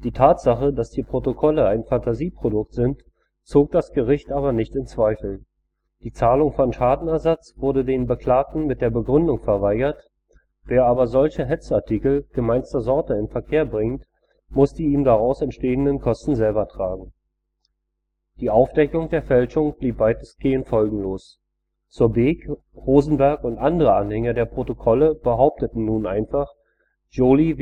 Tatsache, dass die Protokolle ein Phantasieprodukt sind, zog das Gericht aber nicht in Zweifel, die Zahlung von Schadenersatz wurde den Beklagten mit der Begründung verweigert: „ Wer aber solche Hetzartikel gemeinster Sorte in Verkehr bringt, muss die ihm daraus entstehenden Kosten selber tragen. “Die Aufdeckung der Fälschung blieb weitgehend folgenlos. Zur Beek, Rosenberg und andere Anhänger der Protokolle behaupteten nun einfach, Joly